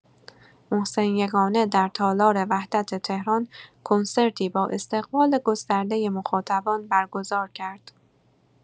محسن یگانه در تالار وحدت تهران کنسرتی با استقبال گسترده مخاطبان برگزار کرد.